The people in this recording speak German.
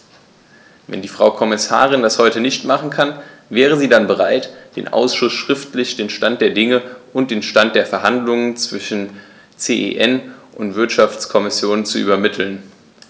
Wenn die Frau Kommissarin das heute nicht machen kann, wäre sie dann bereit, dem Ausschuss schriftlich den Stand der Dinge und den Stand der Verhandlungen zwischen CEN und Wirtschaftskommission zu übermitteln?